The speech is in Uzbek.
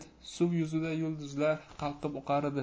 suv yuzida yulduzlar qalqib oqar edi